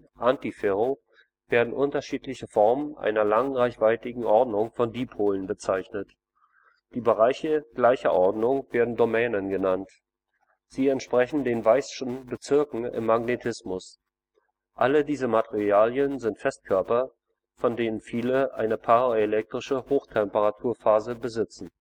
Antiferro - werden unterschiedliche Formen einer langreichweitigen Ordnung von Dipolen bezeichnet. Die Bereiche gleicher Ordnung werden Domänen genannt. Sie entsprechen den weissschen Bezirken im Magnetismus. Alle diese Materialien sind Festkörper, von denen viele eine paraelektrische Hochtemperaturphase besitzen